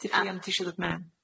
Di... Rhian tisio dod mewn?